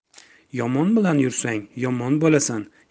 yomon bilan yursang yomon bolasan